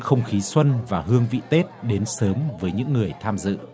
không khí xuân và hương vị tết đến sớm với những người tham dự